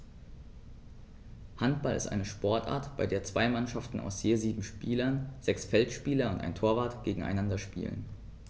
Handball ist eine Sportart, bei der zwei Mannschaften aus je sieben Spielern (sechs Feldspieler und ein Torwart) gegeneinander spielen.